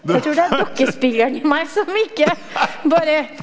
jeg tror det er dokkespilleren i meg som ikke bare.